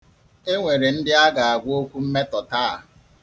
E nwere ndị a ga-agwa okwu mmetọ taa.